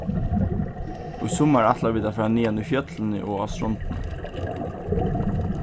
í summar ætla vit at fara niðan í fjøllini og á strondina